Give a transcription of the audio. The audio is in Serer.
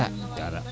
dara